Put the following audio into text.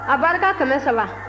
abarika kɛmɛ saba